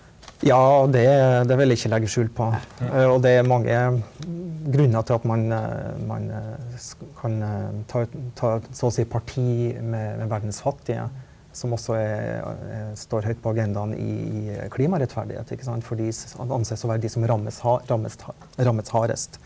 ja det det vil jeg ikke legge skjul på og det er mange grunner til at man man kan ta ta så å si parti med med verdens fattige som også er står høyt på agendaen i klimarettferdighet ikke sant for de anses å være de som rammes rammes hardest.